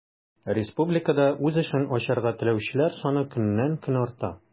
Республикада үз эшен ачарга теләүчеләр саны көннән-көн арта.